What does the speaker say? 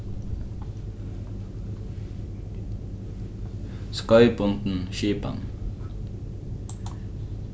skeiðbundin skipan